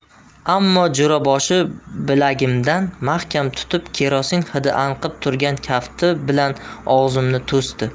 ammo jo'raboshi bilagimdan mahkam tutib kerosin hidi anqib turgan kafti bilan og'zimni to'sdi